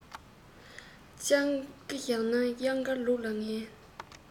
སྤྱང ཀི བཞག ན གཡང དཀར ལུག ལ ངན